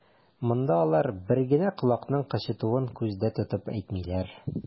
Монда алар бер генә колакның кычытуын күздә тотып әйтмиләр.